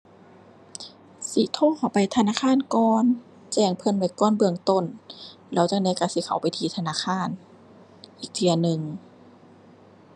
สิโทรเข้าไปธนาคารก่อน แจ้งเพิ่นไว้ก่อนเบื้องต้น แล้วจั่งใดก็สิเข้าไปที่ธนาคารอีกเที่ยหนึ่ง